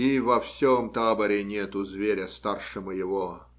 И во всем таборе нету зверя старше моего.